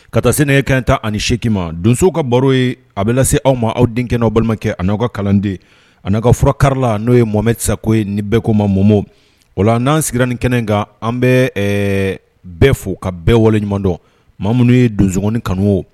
Ka taa sɛnɛ kan ta ani seki ma donso ka baro ye a bɛ lase aw ma aw denkɛ kɛnɛw balimakɛ ani n'aw ka kalanden a ka fura kari la n'o ye mɔmɛsako ye ni bɛɛko ma mɔbo o la n'an sigi nin kɛnɛ in kan an bɛ bɛɛ fo ka bɛɛ waleɲumandɔn ma minnu ye donsoi kanu o